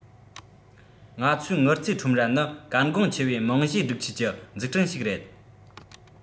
ང ཚོས དངུལ རྩའི ཁྲོམ ར ནི གལ འགངས ཆེ བའི རྨང གཞིའི སྒྲིག ཆས ཀྱི འཛུགས སྐྲུན ཞིག རེད